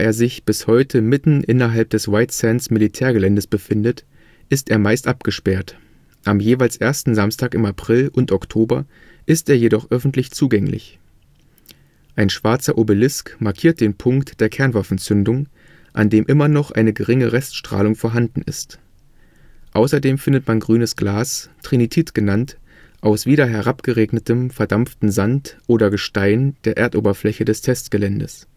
sich bis heute mitten innerhalb des White-Sands-Militärgeländes befindet, ist er meist abgesperrt, am jeweils ersten Samstag im April und Oktober ist er jedoch öffentlich zugänglich. Ein schwarzer Obelisk markiert den Punkt der Kernwaffenzündung, an dem immer noch eine geringe Reststrahlung vorhanden ist. Außerdem findet man grünes Glas, Trinitit genannt, aus wieder herabgeregnetem, verdampftem Sand oder Gestein der Erdoberfläche des Testgeländes